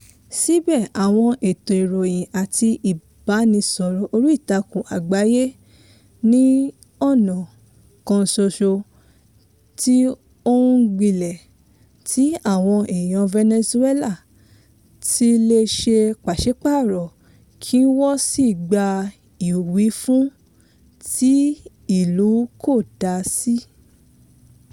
Síbẹ̀ àwọn ètò ìròyìn àti ìbánisọ̀rọ̀ oríìtakùn àgbáyé ní ọ̀nà kan ṣoṣo tí ó ń gbilẹ̀ tí àwọn èèyàn Venezuela ti lè ṣe pàsípààrọ̀ kí wọ́n sì gba ìwífún tí ìlú kò dá sí.